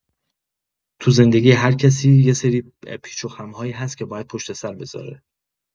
تو زندگی هرکسی یه سری پیچ‌وخم‌هایی هست که باید پشت‌سر بذاره.